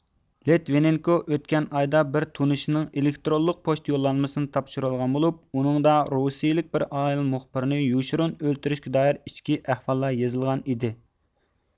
لىتۋىنېنكو ئۆتكەن ئايدا بىر تونۇشىنىڭ ئېلېكترونلۇق پوچتا يوللانمىسىنى تاپشۇرۇۋالغان بولۇپ ئۇنىڭدا رۇسىيىلىك بىر ئايال مۇخبىرنى يوشۇرۇن ئۆلتۈرۈشكە دائىر ئىچكى ئەھۋاللار يېزىلغان ئىدى